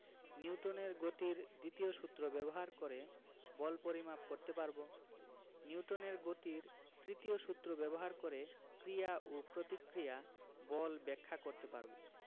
নিউটনের গতির দ্বিতীয় সূত্র ব্যবহার করে বল পরিমাপ করতে পারব নিউটনের গতির তৃতীয় সূত্র ব্যবহার করে ক্রিয়া ও প্রতিক্রিয়া বল ব্যাখ্যা করতে পারব